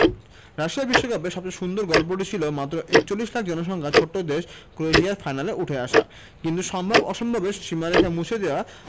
Russia বিশ্বকাপে সবচেয়ে সুন্দর গল্পটি ছিল মাত্র ৪১ লাখ জনসংখ্যার ছোট্ট দেশ ক্রোয়েশিয়ার ফাইনালে উঠে আসা কিন্তু সম্ভব অসম্ভবের সীমারেখা মুছে দেয়া